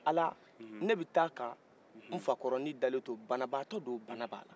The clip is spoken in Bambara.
ala ne b'i ta ka nfa kɔrɔnin dalen to baanabatɔ don baana b'ala